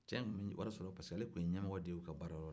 cɛ in tun bɛ wari sɔrɔ parce que ale tun ye ɲɛmɔgɔ de ye u ka baara yɔrɔ la